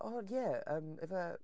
O ie, ife...